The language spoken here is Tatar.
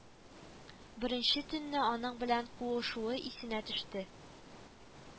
Беренче төнне аның белән куышуы исенә төште